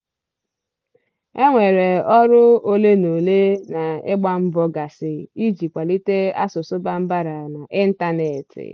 E nwere ọrụ olenaole na ịgba mbọ gasị iji kwalite asụsụ Bambara n'Ịntanetị.